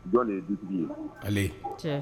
Dɔ de ye du ye ale ye